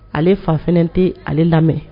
Ale fa fɛnɛ ti ale lamɛn.